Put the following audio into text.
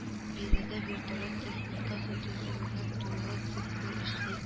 Биредә вертолет техникасы төзүнең тулы циклы эшли